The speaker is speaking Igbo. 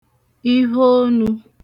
ivheonū